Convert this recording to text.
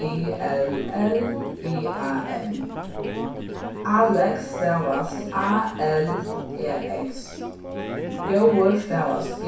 i l l i a m alex stavast a l e x góður stavast